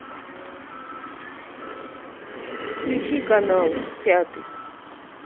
включи канал пятый